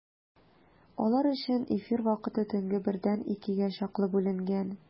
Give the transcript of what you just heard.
Алар өчен эфир вакыты төнге бердән икегә чаклы бүленгән.